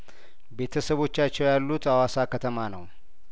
ቤተሰቦቻቸው ያሉት አዋሳ ከተማ ነው